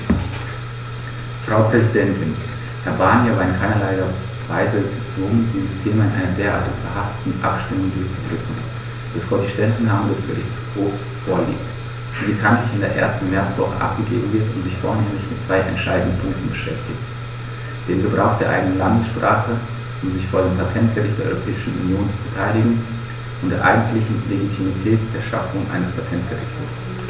Frau Präsidentin, Herr Barnier war in keinerlei Weise gezwungen, dieses Thema in einer derart überhasteten Abstimmung durchzudrücken, bevor die Stellungnahme des Gerichtshofs vorliegt, die bekanntlich in der ersten Märzwoche abgegeben wird und sich vornehmlich mit zwei entscheidenden Punkten beschäftigt: dem Gebrauch der eigenen Landessprache, um sich vor dem Patentgericht der Europäischen Union zu verteidigen, und der eigentlichen Legitimität der Schaffung eines Patentgerichts.